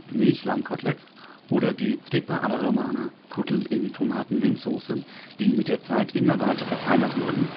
Milchlammkotteletts), oder die „ trippa alla romana “(Kutteln in Tomaten-Minzsoße), die mit der Zeit immer weiter verfeinert wurden